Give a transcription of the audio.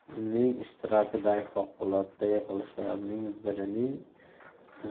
uning ishtirokidagi favqulodda yig'ilishlardan